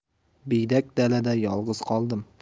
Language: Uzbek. biydak dalada yolg'iz qoldim